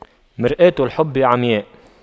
مرآة الحب عمياء